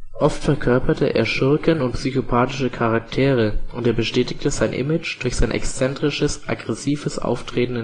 Oft verkörperte er Schurken und psychopatische Charaktere, und er bestätigte sein Image durch sein exzentrisches, aggressives Auftreten